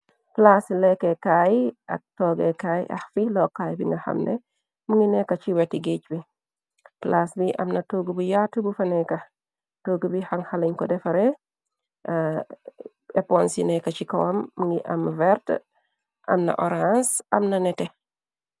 Plaasei lekkekaay ak toggekaay axfi lookaay bi nga xamne mu ngi nekka ci weti géej bi plaas bi amna togg bi yattu bu fa nekka togg bi xan-xalañ ko defare eponsyi neeka ci kowam m ngi am verte amna oranc amna nete.